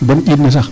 Bo no ƴiid ne sax.